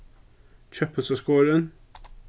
kjøtpylsa skorin